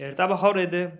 erta bahor edi